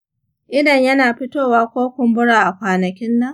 idon yana fito wa ko kumbura a kwanakin nan?